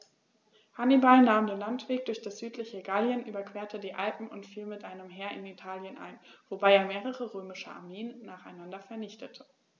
Hannibal nahm den Landweg durch das südliche Gallien, überquerte die Alpen und fiel mit einem Heer in Italien ein, wobei er mehrere römische Armeen nacheinander vernichtete.